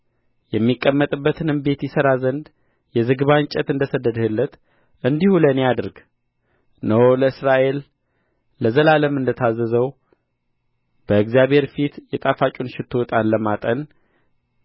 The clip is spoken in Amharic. የሚቀመጥበትንም ቤት ይሠራ ዘንድ የዝግባ እንጨት እንደ ሰደድህለት እንዲሁ ለእኔ አድርግ እነሆ ለእስራኤል ለዘላለም እንደ ታዘዘው በእግዚአብሔር ፊት የጣፋጩን ሽቱ ለማጠን